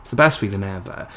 It's the best feeling ever.